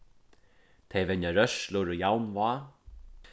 tey venja rørslur og javnvág